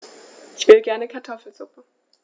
Ich will gerne Kartoffelsuppe.